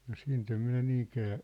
no siitä en minä niinkään